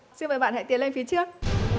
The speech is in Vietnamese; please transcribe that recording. xin bạn hãy tiến lên phía trước